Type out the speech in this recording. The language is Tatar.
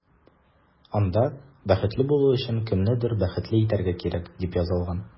Анда “Бәхетле булу өчен кемнедер бәхетле итәргә кирәк”, дип язылган.